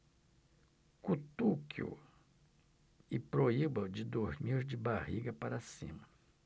cutuque-o e proíba-o de dormir de barriga para cima